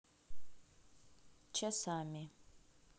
часами